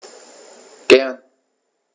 Gern.